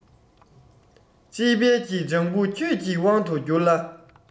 དཔྱིད དཔལ གྱི ལྗང བུ ཁྱེད ཀྱི དབང དུ གྱུར ལ